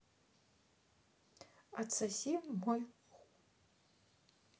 отсоси мой хуй